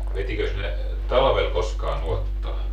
vetikös ne talvella koskaan nuottaa